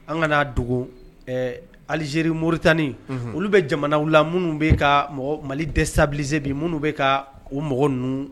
An kan'a dogo Allizeri, Moritani olu bɛ jamanaw la minnu bɛka Mali destabiliser bi minnu bɛka o mɔgɔ ninnu